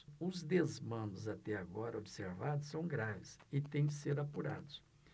os desmandos até agora observados são graves e têm de ser apurados